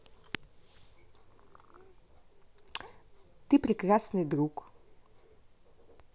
ты прекрасный друг